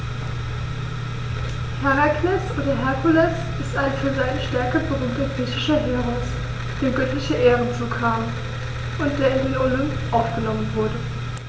Herakles oder Herkules ist ein für seine Stärke berühmter griechischer Heros, dem göttliche Ehren zukamen und der in den Olymp aufgenommen wurde.